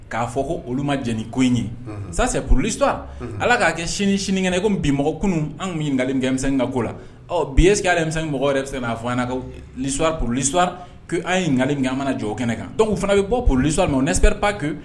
K'a fɔ ko olu ma diɲɛ ni nin ko in ye unhun, c'est pour l'histoire Ala k'a kɛ sini sini kɛnɛ i comme bi mɔgɔ kunun an tun bɛ ɲininkali minnu kɛ M5 ka ko la, ɔ bi est-ce que M 5 mɔgɔw yɛrɛ bɛ se ka na fɔ an ɲɛna l'histoire c'est pour l'histoire an ye ɲininkali min kɛ k'an bɛna jɔ o kɛnɛ kan Donc fana bɛ bɔ pour l'histoire, on espère pas.